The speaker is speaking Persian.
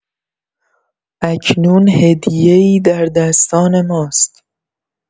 اکنون هدیه‌ای در دستان ماست.